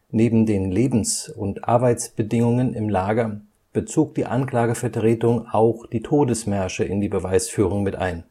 Neben den Lebens - und Arbeitsbedingungen im Lager bezog die Anklagevertretung auch die Todesmärsche in die Beweisführung mit ein